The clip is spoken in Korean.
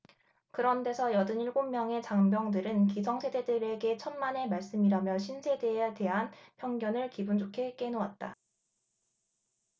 그런 데서 여든 일곱 명의 장병들은 기성세대들에게 천만의 말씀이라며 신세대에 대한 편견을 기분좋게 깨놓았다